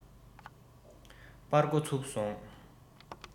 པར སྒོ ཚུགས སོང